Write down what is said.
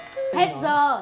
hết giờ